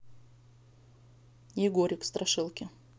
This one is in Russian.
егорик страшилки